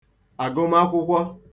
àgụmakwụkwọ